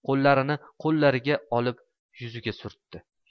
qo'llarini qo'llariga olib yuziga surtdi